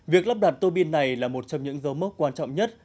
việc lắp đặt tua bin này là một trong những dấu mốc quan trọng nhất